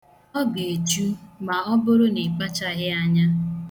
Ọ ga-echu ma ọ bụrụ na ị kpachaghị anya.